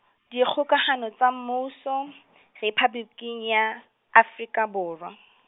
Dikgokahano tsa Mmuso, Rephaboliki ya, Afrika Borwa.